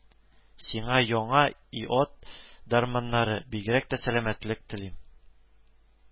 Сиңа яңа и ат дәрманнары, бигрәк тә сәламәтлек телим